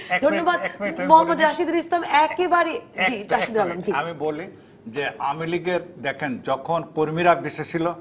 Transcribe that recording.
ধন্যবাদ জি রাশিদুল আলম জি আমি বলি আমি লীগের দেখেন যখন কর্মী রা বেঁচে ছিল